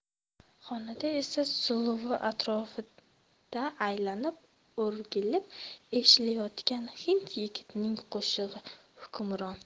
xonada esa suluvi atrofida aylanib o'rgilib eshilayotgan hind yigitning qo'shig'i hukmron